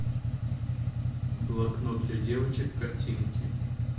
блокнот для девочек картинки